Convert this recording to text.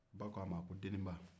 ba k'a ma ko deniba